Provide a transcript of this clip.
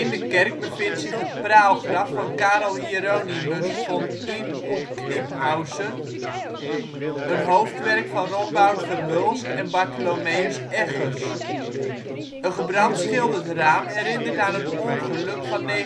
de kerk bevindt zich het praalgraf van Carel Hieronymus von Inn - und Kniphausen (1631-1664), een hoofdwerk van Rombout Verhulst en Bartholomeus Eggers. Een gebrandschilderd raam herinnert aan het ongeluk van 1907